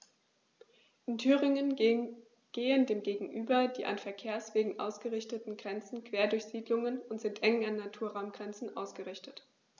In Thüringen gehen dem gegenüber die an Verkehrswegen ausgerichteten Grenzen quer durch Siedlungen und sind eng an Naturraumgrenzen ausgerichtet.